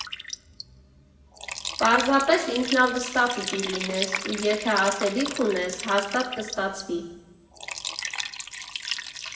Պարզապես ինքնավստահ պիտի լինես ու եթե ասելիք ունես, հաստատ կստացվի։